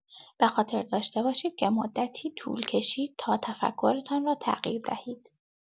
به‌خاطر داشته باشید که مدتی طول کشید تا تفکرتان را تغییر دهید.